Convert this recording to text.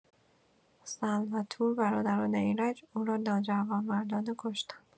سلم و تور، برادران ایرج، او را ناجوانمردانه کشتند.